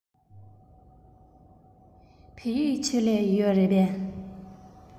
བོད ཡིག ཆེད ལས ཡོད རེད པས